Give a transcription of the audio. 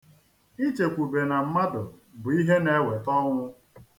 Ichekwube na mmadụ bụ ihe na-eweta ọnwụ.